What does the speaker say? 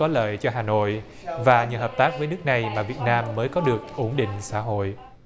có lợi cho hà nội và nhờ hợp tác với nước này mà việt nam mới có được ổn định xã hội